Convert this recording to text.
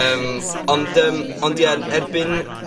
...yym, ond yym, ond ie yn erbyn